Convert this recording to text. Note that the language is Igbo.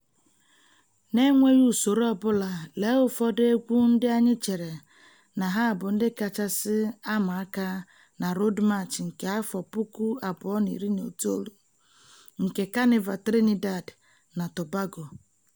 N'enweghị usoro ọ bụla, lee ụfọdụ egwu ndị anyị chere na ha bụ ndị kachasị ama aka na Road March nke 2019 nke Kanịva Trinidad na Tobago ...